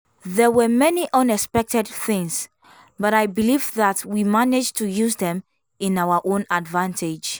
There were many unexpected things, but I believe that we managed to use them in our advantage.